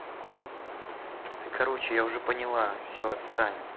да короче я уже поняла все отстань